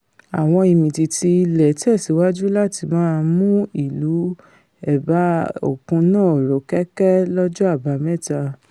Àwọn ìmìtìtì-ilẹ̀ tẹ̀síwájú láti máa mú ìlú ẹ̀bá òkun náà rọ́kẹ̀kẹ̀ lọ́jọ́ Àbámẹ́ta.